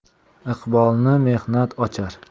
iqbolni mehnat ochar